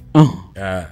Ɔnh, ah